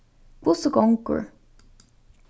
hvussu gongur